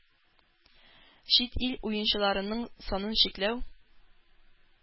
Чит ил уенчыларының санын чикләү,